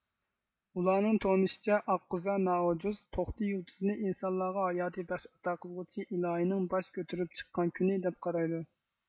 ئۇلارنىڭ تونۇشىچە ئاققۇزا نائوجوز توقتى يۇلتۇزىنى ئىنسانلارغا ھاياتى بەخش ئاتاقىلغۇچى ئىلا ھىنىڭ باش كۆتۈرۈپ چىققان كۈنى دەپ قارايدۇ